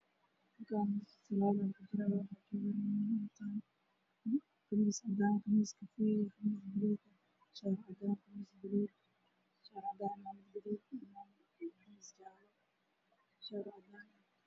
Waa niman tukanayaan oo qabaan khamiisyo iyo koofyo oo saf ku jiraan